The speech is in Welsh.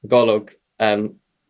y golwg ymm